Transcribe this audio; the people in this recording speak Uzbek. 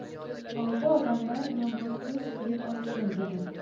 oldi odamlar yomg'irpo'sh kiyib olishgan edi